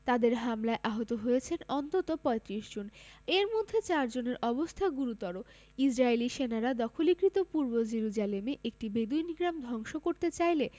তাদের হামলায় আহত হয়েছেন অন্তত ৩৫ জন এর মধ্যে চার জনের অবস্থা গুরুত্বর ইসরাইলি সেনারা দখলীকৃত পূর্ব জেরুজালেমে একটি বেদুইন গ্রাম ধ্বংস করতে চাইলে